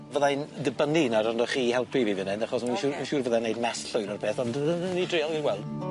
Fyddai'n dibynnu nawr arnoch chi i helpu fi fan 'yn achos fi'n fi'n siŵr fyddai'n neud mess llwyr o'r peth ond ni dreial i wel'.